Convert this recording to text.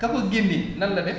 ka ko génne nan la def